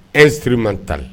Instrumental !